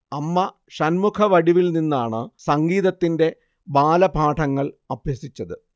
അമ്മ ഷൺമുഖവടിവിൽ നിന്നാണ് സംഗീതത്തിന്റെ ബാലപാഠങ്ങൾ അഭ്യസിച്ചത്